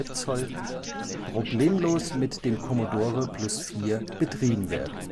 Zoll) problemlos mit dem Commodore Plus/4 betrieben werden